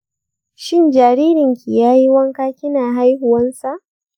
shin jaririnki yayi kuka kina haihuwansa?